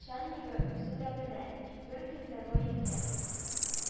Начальнигы үзе дә белә, тик беркем дә гаепкә